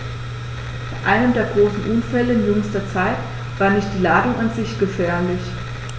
Bei einem der großen Unfälle in jüngster Zeit war nicht die Ladung an sich gefährlich.